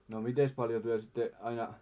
no mitenkäs paljon te sitten aina